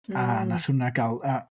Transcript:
Mm. ...A wnaeth hwnna gael yy...